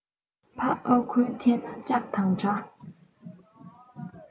ཕ ཨ ཁུའི ཐད ན ལྕགས དང འདྲ